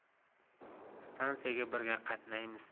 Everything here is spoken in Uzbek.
stansiyaga birga qatnaymiz